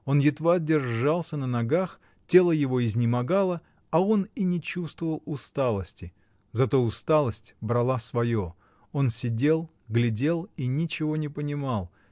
Он едва держался на ногах, тело его изнемогало, а он и не чувствовал усталости, -- зато усталость брала свое: он сидел, глядел и ничего не понимал